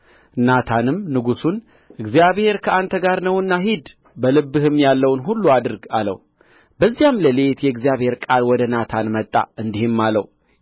ናታንም ንጉሡን እግዚአብሔር ከአንተ ጋር ነውና ሂድ በልብህም ያለውን ሁሉ አድርግ አለው በዚያም ሌሊት የእግዚአብሔር ቃል ወደ ናታን መጣ እንዲህም አለው